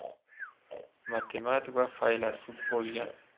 matematik va faylasuf bo'lgan